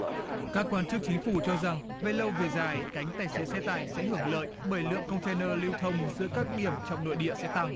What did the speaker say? các quan chức chính phủ cho rằng về lâu về dài cánh tài xế xe tải sẽ hưởng lợi bởi lượng công te nơ lưu thông giữa các điểm trong nội địa sẽ tăng